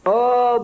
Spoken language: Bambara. ɔhɔ